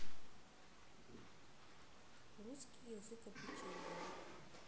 русский язык обучение